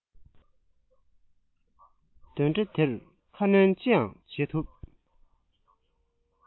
གདོན འདྲེ དེར ཁ གནོན ཅི ཡང བྱེད ཐུབ